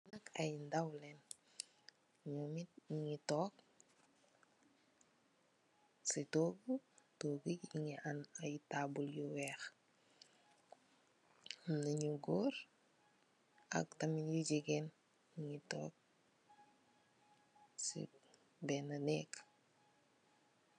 Ay ndaw leen, nyungi tok ci togu. Togu yi mungi am tabul yu weex. Amna tamit nyu goor ak nyu jigeen nyungi tok si bena neek.